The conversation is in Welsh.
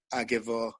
ag efo